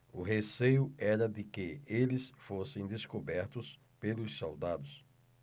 o receio era de que eles fossem descobertos pelos soldados